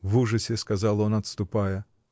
— в ужасе сказал он, отступая.